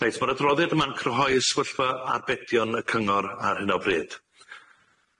Reit ma'r adroddiad yma'n cryhoi s'fyllfa arbedion y cyngor ar hyn o bryd.